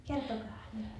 kertokaahan nyt